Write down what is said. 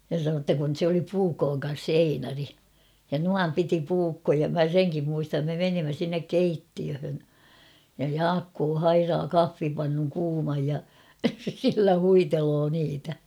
ja se sanoi jotta kun se oli puukon kanssa se Einari ja noin piti puukkoja minä senkin muistan me menimme sinne keittiöön ja Jaakko hairaa kahvipannun kuuman ja sillä huiteli niitä